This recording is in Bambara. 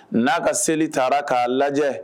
N'a ka seli taara k'a lajɛ